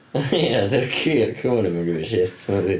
Ia dydy'r ci- cŵn ddim yn give a shit nadi.